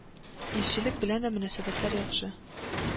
Илчелек белән дә мөнәсәбәтләр яхшы